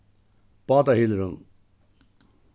bátahylurin